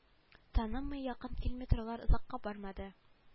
Танымый якын килми торулар озакка бармады